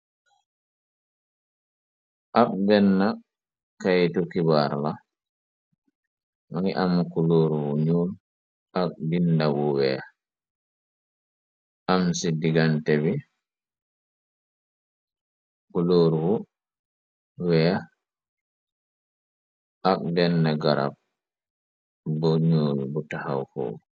ak denn kaytu kibaar la mani am ku loor wu ñuul ak dindawu weex am ci digante biku lóor wu weex ak denn garab bu ñuul bu taxaw foo